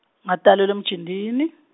ngatalelwa eMjindini.